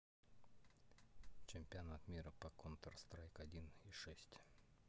чемпионат мира по counter strike один и шесть